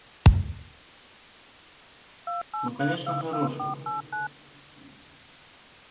ну конечно хороший